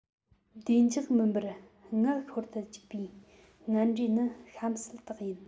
བདེ འཇགས མིན པར མངལ ཤོར དུ བཅུག པའི ངན འབྲས ནི གཤམ གསལ དག ཡིན